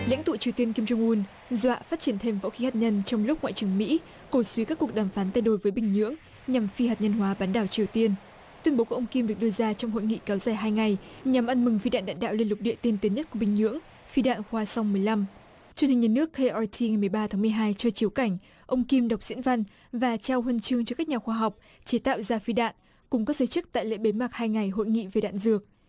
lãnh tụ triều tiên kim rong un dọa phát triển thêm võ khí hạt nhân trong lúc ngoại trưởng mỹ cổ súy các cuộc đàm phán tay đôi với bình nhưỡng nhằm phi hạt nhân hóa bán đảo triều tiên tuyên bố của ông kim được đưa ra trong hội nghị kéo dài hai ngày nhằm ăn mừng phi đạn đạn đạo liên lục địa tiên tiến nhất của bình nhưỡng phi đạn qua song mười lăm truyền hình nhà nước cây o ti mười ba tháng mười hai cho chiếu cảnh ông kim đọc diễn văn và trao huân chương cho các nhà khoa học chế tạo ra phi đạn cùng các giới chức tại lễ bế mạc hai ngày hội nghị về đạn dược